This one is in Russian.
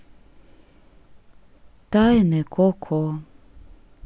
тайны коко